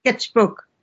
Sketchbook.